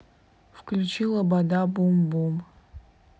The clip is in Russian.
включи лобода бум бум